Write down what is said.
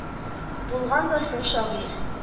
Булган да соң шагыйрь